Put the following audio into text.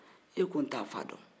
e ko n t'a fa dɔn